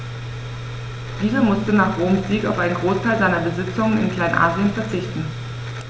Dieser musste nach Roms Sieg auf einen Großteil seiner Besitzungen in Kleinasien verzichten.